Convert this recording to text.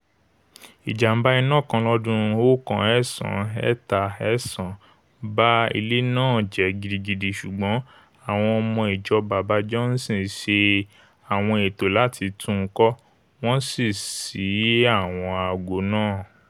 Ìjàm̀bá iná kan lọ́dún 1939 ba ilé na ̀jẹ́ gidigan, ṣùgbọ́n àwọn ọmọ ìjọ Baba Johnson ṣe àwọn ètò láti tún un kọ́, wọ́n sì ṣí àwọn aago nạ́.